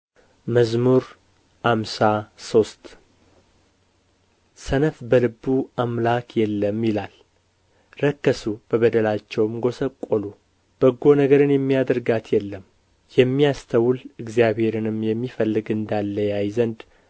መዝሙር ሃምሳ ሶስት ሰነፍ በልቡ አምላክ የለም ይላል ረከሱ በበደላቸውም ጐሰቈሉ በጎ ነገርን የሚያደርጋት የለም የሚያስተውል እግዚአብሔርንም የሚፈልግ እንዳለ ያይ ዘንድ